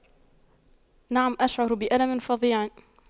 نعم أشعر بألم فظيع